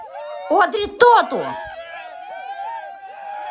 одри тоту